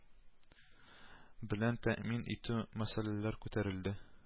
Белән тәэмин итү мәсьәләләре күтәрелде